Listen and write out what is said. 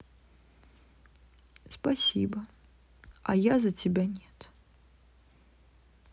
спасибо а я за тебя нет